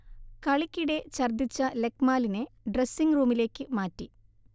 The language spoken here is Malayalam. കളിക്കിടെ ഛർദിച്ച ലക്മാലിനെ ഡ്രസിങ്ങ് റൂമിലേക്ക് മാറ്റി